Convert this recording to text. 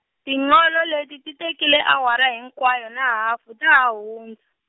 Tinqolo leti ti tekile awara hinkwayo na hafu ta ha hundza.